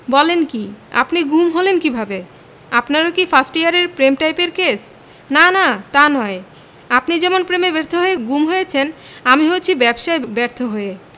বলেন কী আপনি গুম হলেন কীভাবে আপনারও কি ফার্স্ট ইয়ারের প্রেমটাইপের কেস না না তা নয় আপনি যেমন প্রেমে ব্যর্থ হয়ে গুম হয়েছেন আমি হয়েছি ব্যবসায় ব্যর্থ হয়ে